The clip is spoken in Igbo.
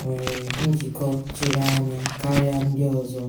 nwere njikọ chiri anya karịa ndị ọzọ.